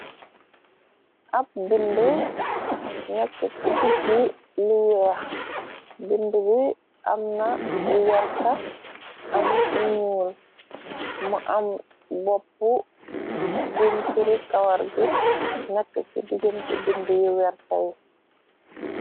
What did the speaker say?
Ab bindi nekk ci diggi li weex bindi bi am na werte am muul mu am bopp buñ firi kawar gi nekk ci digénte bindi yi werteyi.